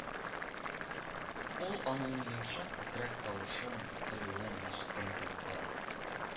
Ул аның йомшак күкрәк тавышын, көлүен ишеткән кебек була